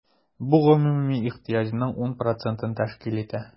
Бу гомуми ихтыяҗның 10 процентын тәшкил итә.